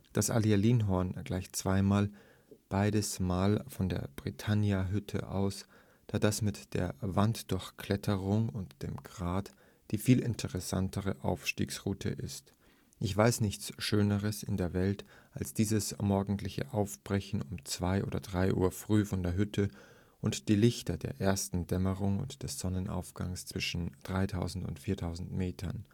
Das Allalinhorn gleich zweimal, beidesmal von der Britanniahütte aus, da das, mit der Wanddurchkletterung und dem Grat, die viel interessantere Aufstiegsroute ist. Ich weiß nichts Schöneres in der Welt als dieses morgendliche Aufbrechen um zwei oder drei Uhr früh von der Hütte, und die Lichter der ersten Dämmerung und des Sonnenaufgangs zwischen 3000 und 4000